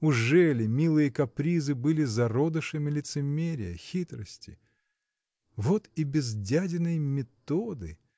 Ужели милые капризы были зародышами лицемерия, хитрости?. вот и без дядиной методы